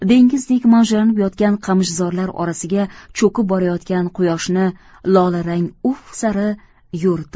dengizdek mavjlanib yotgan qamishzorlar orasiga cho'kib borayotgan quyoshni lolarang ufq sari yo'ritib